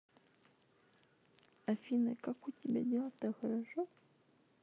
афина как у тебя дела то хорошо